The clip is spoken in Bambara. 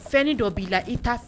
Fɛnni dɔ b'i la i